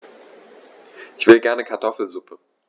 Ich will gerne Kartoffelsuppe.